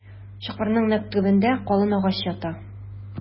Чокырның нәкъ төбендә калын агач ята.